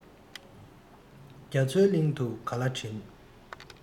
རྒྱ མཚོའི གླིང དུ ག ལ བྲིན